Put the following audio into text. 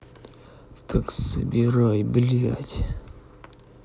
так собирай блять